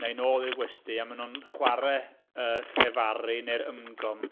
Neu nôl i'r gwesty, a maen nhw'n chwarae y llefaru neu'r ymgom.